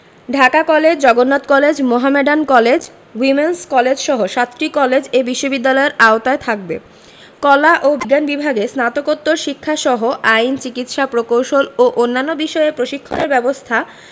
Dhaka college Jagannath college Mohammedan college women's কলেজসহ সাতটি college এ বিশ্ববিদ্যালয়ের আওতায় থাকবে কলা ও বিজ্ঞান বিভাগে স্নাতকোত্তর শিক্ষাসহ আইন চিকিৎসা প্রকৌশল ও অন্যান্য বিষয়ে প্রশিক্ষণের ব্যবস্থা